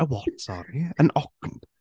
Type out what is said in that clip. A what, sorry? An oct-?